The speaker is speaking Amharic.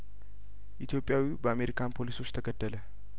ኢትዮጵያዊው በአሜሪካን ፖሊሶች ተገደለ